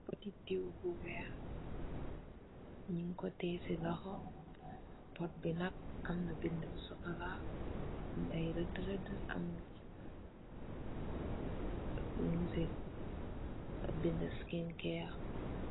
Poti diw bu wekh njung kor tiyeh cii lokhor, pot bii nak amna bindue bu chocolat, am aiiy rehdue rehdue, am mbusi binda skincare.